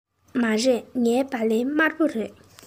མ རེད ངའི སྦ ལན དམར པོ རེད